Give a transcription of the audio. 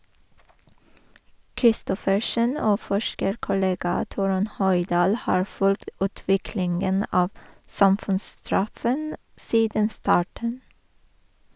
Kristoffersen og forskerkollega Torunn Højdahl har fulgt utviklingen av samfunnsstraffen siden starten.